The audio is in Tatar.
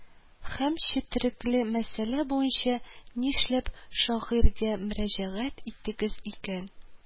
Һәм четерекле мәсьәлә буенча нишләп шагыйрьгә мөрәҗәгать иттегез икән